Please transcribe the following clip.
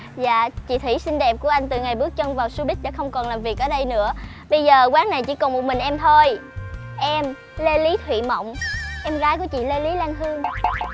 dạ chị thủy xinh đẹp của anh từ ngày bước chân vào sâu bít đã không còn làm việc ở đây nữa bây giờ quán này chỉ còn một mình em thôi em lê lý thụy mộng em gái của chị lê lý lan hương